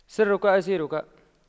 سرك أسيرك